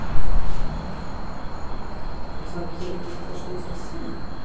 а санкт петербург что это из россии